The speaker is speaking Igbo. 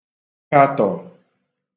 kàtọ